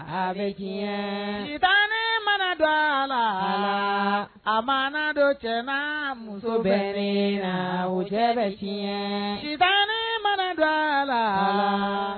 Sabatan mana joona la a ma dɔ joona muso bɛ la o cɛ bɛ mana la